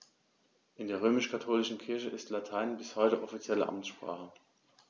In der römisch-katholischen Kirche ist Latein bis heute offizielle Amtssprache.